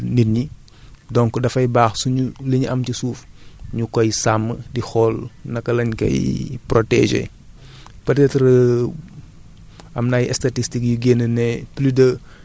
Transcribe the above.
parce que niñ koy waxee mbay moom mooy dundal nit ñi mbay mooy dundal nit ñi donc dafay baax suñu li ñu am ci suuf ñu koy sàmm di xool naka lañ koy protégé